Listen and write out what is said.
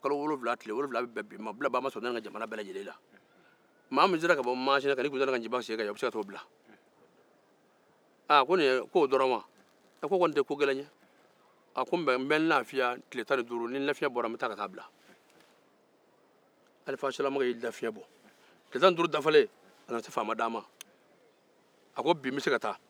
maa min bɔra masina ka n'i kun da nciba sen kan o bɛ se ka t'o bila aa ko nin ye ko dɔrɔn wa ko kɔni tɛ ko gɛlɛn ye ko mɛ n bɛ n lafiya tile tan ni duuru ni n lafiya bɔra n bɛ taa ka taa bila alifa silamakan y'i da fiɲɛ bɔ tile tan ni duuru dafalen a nana se faama da ma a ko bi n bɛ se ka taa